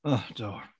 Do.